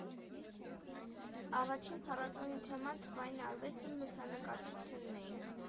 Առաջին փառատոնի թեման թվային արվեստն ու լուսանկարչությունն էին։